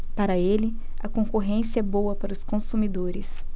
para ele a concorrência é boa para os consumidores